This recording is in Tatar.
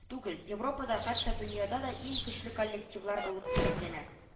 Түгел, европада, хәтта дөньяда да иң көчле коллективлар булып исәпләнә